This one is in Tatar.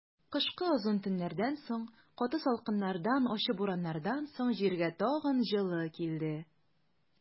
Кышкы озын төннәрдән соң, каты салкыннардан, ачы бураннардан соң җиргә тагын җылы килде.